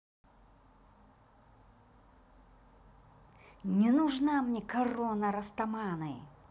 не нужна мне корона растаманы